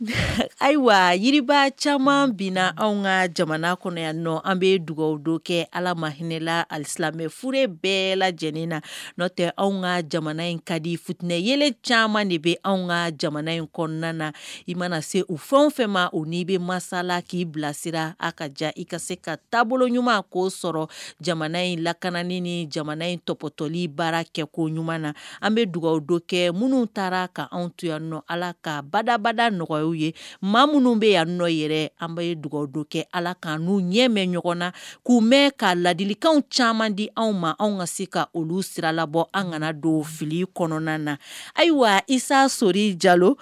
Ayiwa yiri caman bɛna anw ka jamana kɔnɔ nɔ an bɛ dugaw dɔ kɛ ala ma hinɛla ali silamɛ lamɛn furu bɛɛ lajɛlen na n' tɛ anw ka jamana in ka di fut ye caman de bɛ anw ka jamana in kɔnɔna na i mana se u fɛnw fɛ ma u ni bɛ masasala k'i bilasira a ka ja i ka se ka taabolo ɲuman ko sɔrɔ jamana in lakanaani ni jamana in tɔɔpɔtɔli baara kɛ ko ɲuman na an bɛ dugaw dɔ kɛ minnu taara ka anw to yan nɔ ala ka badabada nɔgɔ ye maa minnu bɛ yan n nɔ yɛrɛ an bɛ ye dugawdo kɛ ala ka n uu ɲɛ mɛn ɲɔgɔn na k'u mɛn ka ladilikan caman di anw ma anw ka se ka olu siralabɔ an kana don fili kɔnɔna na ayiwa isaa sɔri jalo